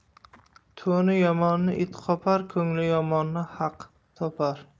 to'ni yomonni it qopar ko'ngli yomonni haq topar